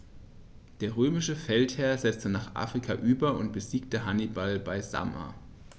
Der römische Feldherr setzte nach Afrika über und besiegte Hannibal bei Zama.